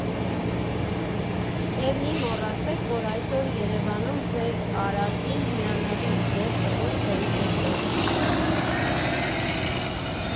Եվ մի մոռացեք, որ այսօր Երևանում ձեր արածին հիանալի ձև տվող դեմքեր կան։